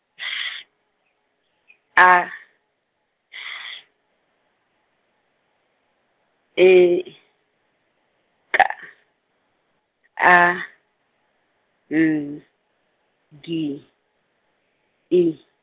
S A S, E K A N G I.